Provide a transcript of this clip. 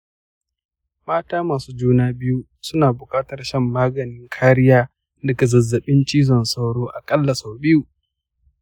mata masu juna biyu suna buƙatar shan maganin kariya daga zazzabin cizan sauro aƙalla sau biyu.